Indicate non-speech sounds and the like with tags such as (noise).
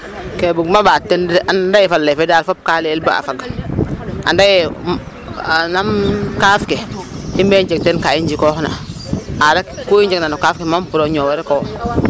Ke bug'uma ɓaat teen de anda yee fa lay fe daal fop ka layel ba a fag (crosstalk) anda yee a nam kaaf ke i mbee njeg teen ka i njikooxna aar ake ku i njegna no kaaf ke moom pour o ñoow rek o.